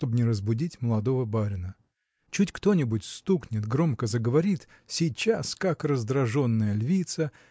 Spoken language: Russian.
чтобы не разбудить молодого барина. Чуть кто-нибудь стукнет громко заговорит сейчас как раздраженная львица